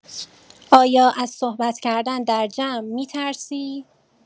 آیا از صحبت کردن در جمع می‌ترسی؟